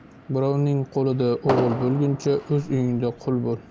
birovning qoiida o'g'il bo'lguncha o'z uyingda qui bo'l